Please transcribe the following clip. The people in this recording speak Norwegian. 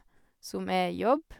Som er jobb.